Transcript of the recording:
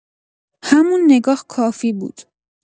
همون نگاه کافی بود.